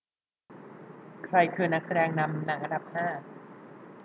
ใครคือนักแสดงนำหนังอันดับห้า